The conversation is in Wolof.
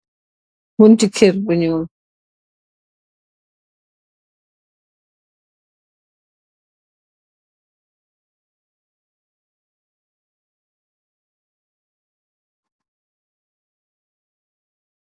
Butti kèr bu ñuul.